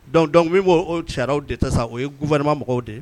Donc, donc min b' o sariyaw de tɛ sa o ye gouvernement mɔgɔw de ye